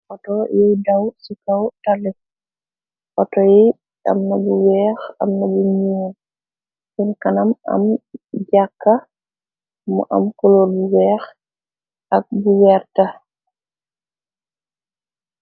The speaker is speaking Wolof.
Otto yuy daw ci kaw tali. Otto yi amna bu weex amna bu ñuur sen kanam am jàkka mu. Am colol bu weex ak bu werta.